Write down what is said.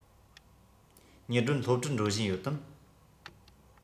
ཉི སྒྲོན སློབ གྲྭར འགྲོ བཞིན ཡོད དམ